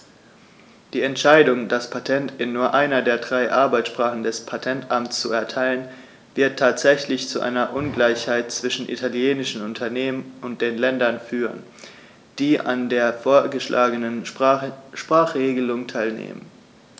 Die Entscheidung, das Patent in nur einer der drei Arbeitssprachen des Patentamts zu erteilen, wird tatsächlich zu einer Ungleichheit zwischen italienischen Unternehmen und den Ländern führen, die an der vorgeschlagenen Sprachregelung teilnehmen.